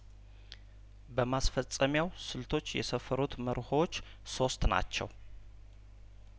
በማስፈጸሚያው ስልቶች የሰፈሩት መርሆዎች ሶስት ናቸው